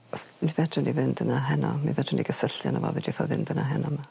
s- mi fedrwn ni fynd yna heno mi fedrwn ni gysylltu yno fo fedrith o fynd yna heno 'ma.